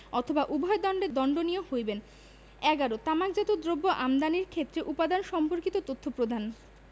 অথবা উভয় দণ্ডে দন্ডনীয় হইবেন ১১ তামাকজাত দ্রব্য আমদানির ক্ষেত্রে উপাদান সম্পর্কিত তথ্য প্রদানঃ